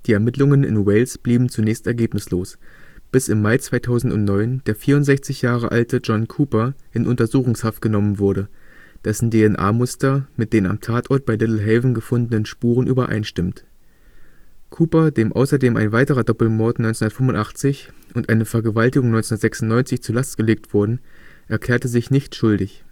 Ermittlungen in Wales blieben zunächst ergebnislos, bis im Mai 2009 der 64 Jahre alte John Cooper in Untersuchungshaft genommen wurde, dessen DNA-Muster mit den am Tatort bei Littlehaven gefundenen Spuren übereinstimmt. Cooper, dem außerdem ein weiterer Doppelmord 1985 und eine Vergewaltigung 1996 zur Last gelegt wurden, erklärte sich „ nicht schuldig